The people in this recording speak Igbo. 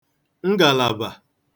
ngàlàbà